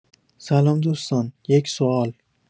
سلام دوستان یک سوال